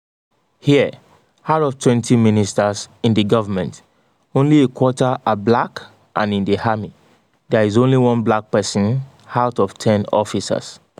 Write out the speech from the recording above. Here, out of twenty ministers in the government, only a quarter are black and in the army, there is only one black person out of ten officers.